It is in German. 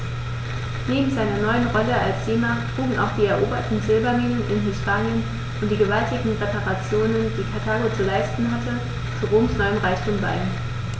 Neben seiner neuen Rolle als Seemacht trugen auch die eroberten Silberminen in Hispanien und die gewaltigen Reparationen, die Karthago zu leisten hatte, zu Roms neuem Reichtum bei.